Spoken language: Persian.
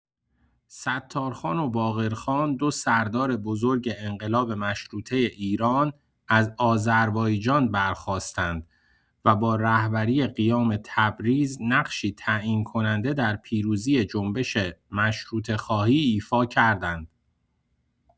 ستارخان و باقرخان، دو سردار بزرگ انقلاب مشروطه ایران، از آذربایجان برخاستند و با رهبری قیام تبریز، نقشی تعیین‌کننده در پیروزی جنبش مشروطه‌خواهی ایفا کردند.